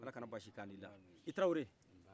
ala kana bachi kai annila i traore